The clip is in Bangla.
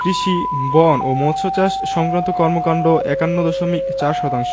কৃষি বন ও মৎসচাষ সংক্রান্ত কর্মকান্ড ৫১ দশমিক ৪ শতাংশ